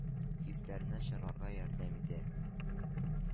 Хисләрне чарларга ярдәм итә,